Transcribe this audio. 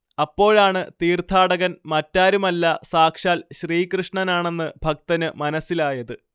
അപ്പോഴാണ് തീർത്ഥാടകൻ മറ്റാരുമല്ല സാക്ഷാൽ ശ്രീകൃഷ്ണനാണെന്ന് ഭക്തന് മനസ്സിലായത്